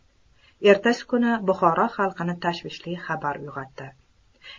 ertasi kuni buxoro xalqini tashvishli xabar uyg'otdi